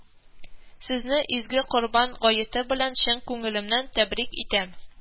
Сезне изге Корбан гаете белән чын күңелемнән тәбрик итәм